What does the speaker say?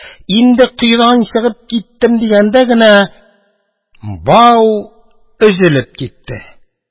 Инде коедан чыгам дигәндә генә, бау өзелеп китте.